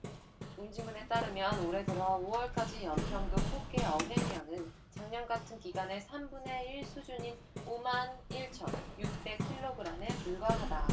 옹진군에 따르면 올해 들어 오 월까지 연평도 꽃게 어획량은 작년 같은 기간의 삼 분의 일 수준인 오 만 일 천 육백 킬로그램에 불과하다